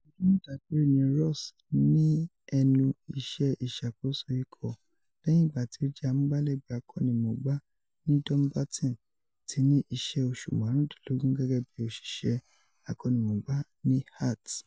Ọdún mẹ́ta péré ni Ross ní ẹnu iṣẹ́ ìṣàkóso ikọ̀, lẹ́hìn ìgbà tí ó jẹ́ amúgbálẹ̀gbẹ́ akọ́nimọ̀ọ́gbá ni Dumbarton tí ní iṣẹ́ oṣù màrúndínlógùn gẹ́gẹ́ bíi òṣìṣẹ̀ akọ́nimọ̀ọ́gbá ní Hearts.